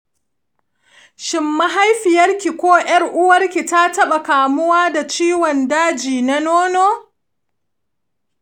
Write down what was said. shin mahaifiyarki ko ‘yar uwarki ta taɓa kamuwa da ciwon daji na nono?